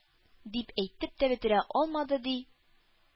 Дип әйтеп тә бетерә алмады, ди,